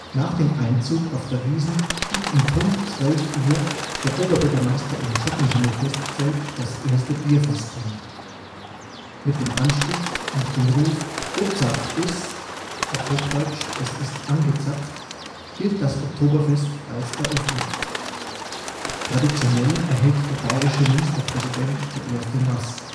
Nach dem Einzug auf der Wiesn sticht um Punkt 12:00 Uhr der Oberbürgermeister im Schottenhamel-Festzelt das erste Bierfass an. Mit dem Anstich und dem Ruf „ O’ zapft is! “(Es ist angezapft!) gilt das Oktoberfest als eröffnet. Traditionell erhält der bayrische Ministerpräsident die erste Maß. Danach